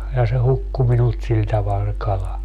ja se hukkui minulta sillä tavalla se kala